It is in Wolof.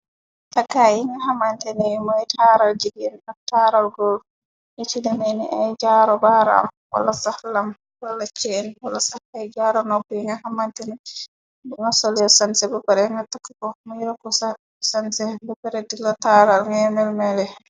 Takkaay yi nga xamante ney mooy taaral jigeen ak taaral goor, yu si demee ni ay jaaro baaraam, wala sax lam, wala ceen, wala sax ay jaaru noppu, yi nga xamante ne boo ko solee sanse, ba paré, nga toog mu yooku sa sanse bë pare di la taaral ngay "melmeeli."